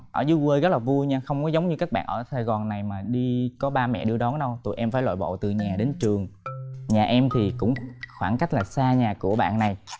ở dưới quê rất là vui nha không có giống như các bạn ở sài gòn này mà đi có ba mẹ đưa đón đâu tụi em phải lội bộ từ nhà đến trường nhà em thì cũng khoảng cách là xa nhà của bạn này